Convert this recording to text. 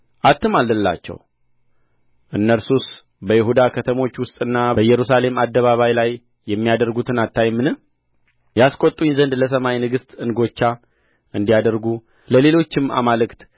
አትማልድላቸው እነርሱስ በይሁዳ ከተሞች ውስጥና በኢየሩሳሌም አደባባይ ላይ የሚያደርጉትን አታይምን ያስቈጡኝ ዘንድ ለሰማይ ንግሥት እንጐቻ እንዲያደርጉ ለሌሎችም አማልክት